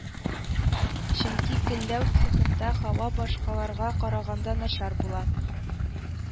Чөнки көлләү цехында һава башкаларга караганда начар була